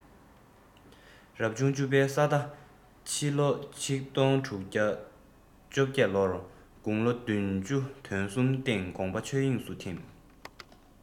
རབ བྱུང བཅུ བའི ས རྟ ཕྱི ལོ ༡༦༡༨ ལོར དགུང ལོ བདུན ཅུ དོན གསུམ སྟེང དགོངས པ ཆོས དབྱིངས སུ འཐིམས